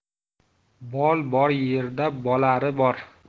bol bor yerda bolari bor